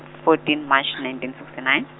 fourteen March nineteen sixty nine.